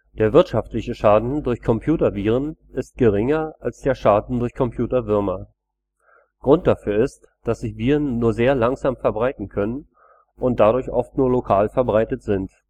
Der wirtschaftliche Schaden durch Computerviren ist geringer als der Schaden durch Computerwürmer. Grund dafür ist, dass sich Viren nur sehr langsam verbreiten können und dadurch oft nur lokal verbreitet sind